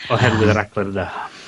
Oherwydd y raglen yna.